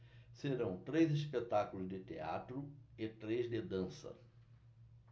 serão três espetáculos de teatro e três de dança